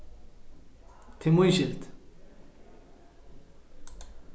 tað er mín skyld